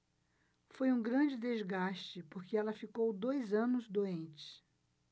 foi um grande desgaste porque ela ficou dois anos doente